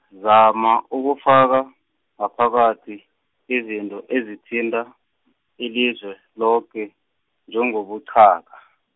Zama ukufaka, ngaphakathi, izinto ezithinta, ilizwe, loke njengobuqhaka.